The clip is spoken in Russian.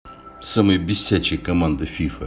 самая бесячая команда фифа